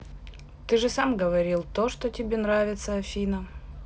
ты же сам говорил то что тебе нравится афина